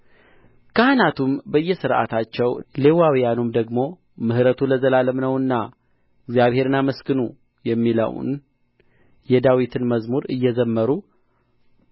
ካህናቱም በየሥርዓታቸው ሌዋውያኑም ደግሞ ምሕረቱ ለዘላለም ነውና እግዚአብሔርን አመስግኑ የሚለውን የዳዊትን መዝሙር እየዘመሩ